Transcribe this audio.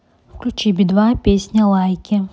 включи би два песня лайки